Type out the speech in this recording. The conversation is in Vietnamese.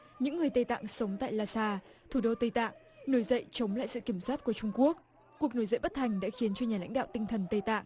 những người tây tạng sống tại la sa thủ đô tây tạng nổi dậy chống lại sự kiểm soát của trung quốc cuộc nổi dậy bất thành đã khiến cho nhà lãnh đạo tinh thần tây tạng